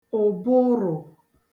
ụ̀bụrụ̀